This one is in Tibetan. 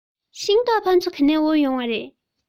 ཤིང ཏོག ཕ ཚོ ག ནས དབོར ཡོང བ རེད